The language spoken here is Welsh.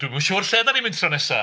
Dwi'm yn siŵr lle dan ni'n mynd tro nesa!